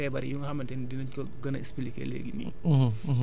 ak ci aar feebar yi nga xamante ni dinañ ko gën a expliqué léegi nii